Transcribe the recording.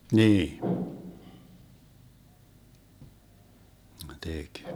niin ne teki